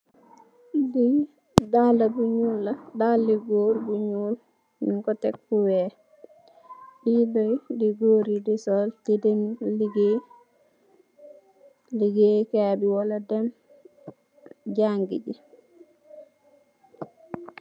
Leday dala bu nglu la. Bale gorr bu nglu, nyu ko tek fu weyh.le la de gorr yi de sol de dem si legaiye kai bi ak d dem jangi gi.